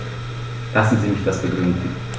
Lassen Sie mich das begründen.